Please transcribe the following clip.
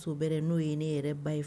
Bɛ n'o ye ne yɛrɛ ba ye fɛ